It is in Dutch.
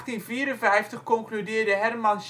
In 1854 concludeerde Hermann